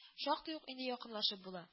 Шактый ук инде якынлашкан була